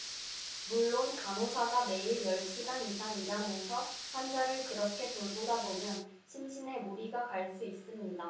물론 간호사가 매일 열 시간 이상 일하면서 환자를 그렇게 돌보다 보면 심신에 무리가 갈 수 있습니다